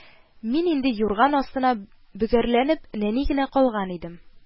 Мин инде юрган астында бөгәрләнеп, нәни генә калган идем